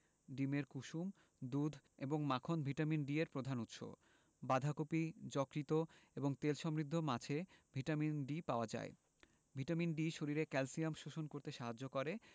ডিমের কুসুম দুধ এবং মাখন ভিটামিন ডি এর প্রধান উৎস বাঁধাকপি যকৃৎ এবং তেল সমৃদ্ধ মাছে ভিটামিন ডি পাওয়া যায় ভিটামিন ডি শরীরে ক্যালসিয়াম শোষণ করতে সাহায্য করে